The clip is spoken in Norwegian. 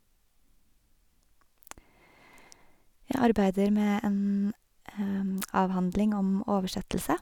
Jeg arbeider med en avhandling om oversettelse.